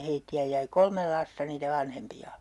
heitä jäi kolme lasta niitä vanhempia